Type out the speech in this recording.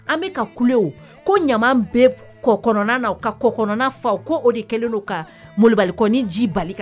An bɛka ka kule o ko ɲama bɛ kɔ kɔnɔna na ka kɔ kɔnɔna fa ko o de kɛlen ka mobali kɔni ji bali